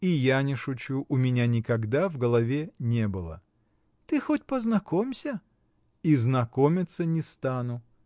— И я не шучу, у меня никогда в голове не было. — Ты хоть познакомься! — И знакомиться не стану.